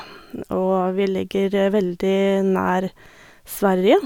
Og vi ligger veldig nær Sverige.